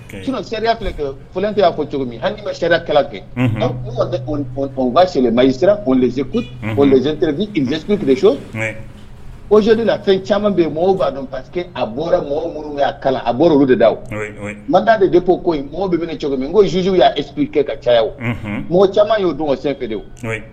Se f'a cogo hali ma se kɛ ma' sera zzz so ozni na fɛn caman bɛ pa a bɔra mɔgɔ minnu'a kala a bɔra olu de da manda de de ko mɔgɔ bɛ cogo min ko zz y'p kɛ ka caya mɔgɔ caman y'o don sen fɛ